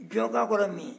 jɔka kɔrɔ ye mun ye